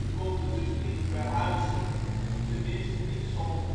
konden dus niet verhuizen, teminste niet zonder